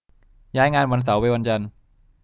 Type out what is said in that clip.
ย้ายงานวันเสาร์ไปวันจันทร์